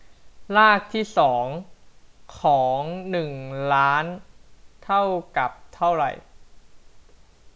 รากที่สองของหนึ่งล้านเท่ากับเท่าไหร่